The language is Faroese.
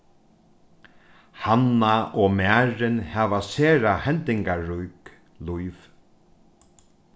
hanna og marin hava sera hendingarík lív